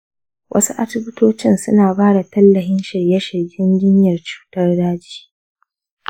wasu asibitocin suna bada tallafin shirye shiryen jinyar cutar daji.